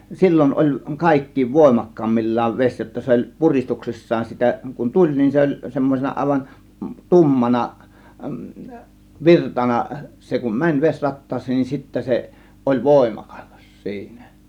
silloin oli kaikkein voimakkaimmillaan vesi jotta oli puristuksissaan sitä kun tuli niin se oli semmoisena aivan tummana virtana se kun meni vesirattaaseen niin sitten se oli voimakas siinä